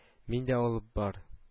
— мин дә алып бар